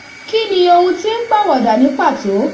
Kí ni ohun tí ń pàwọ̀dà ní pàtó?